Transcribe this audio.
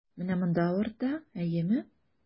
Менә монда авырта, әйеме?